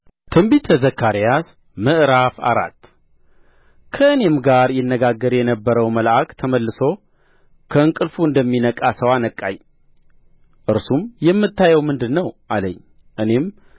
ትንቢተ ዘካርያስ ምዕራፍ አራት ከእኔም ጋር ይነጋገር የነበረው መልአክ ተመልሶ ከእንቅልፉ እንደሚነቃ ሰው አነቃኝ እርሱም የምታየው ምንድር ነው አለኝ እኔም